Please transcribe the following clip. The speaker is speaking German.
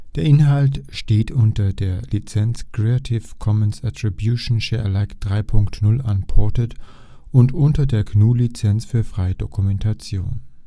Inhalt steht unter der Lizenz Creative Commons Attribution Share Alike 3 Punkt 0 Unported und unter der GNU Lizenz für freie Dokumentation